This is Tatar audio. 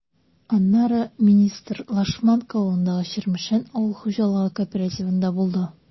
Аннары министр Лашманка авылындагы “Чирмешән” АХҖКында булды.